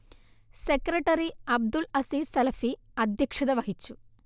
secretary Abdul Aziz Salafi അധ്യക്ഷത വഹിച്ചു